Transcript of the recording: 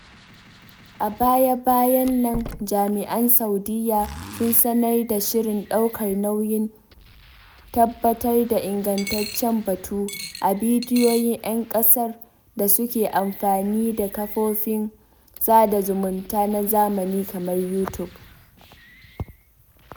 A baya-bayan nan jami'an Saudiyya sun sanar da shirin ɗaukar nauyin tabbatar da ''ingantaccen batu'' a bidiyoyin 'yan ƙasar da suke amfani da kafofin sada zumunta na zamani kamar YouTube.